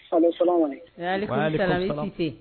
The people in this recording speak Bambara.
Allo salamu aleyikumu, walekumusala, i Sise